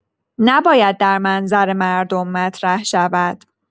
نباید در منظر مردم مطرح شود